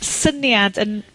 ...syniad yn